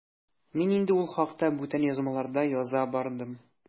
Мин инде ул хакта бүтән язмаларда яза да бардым.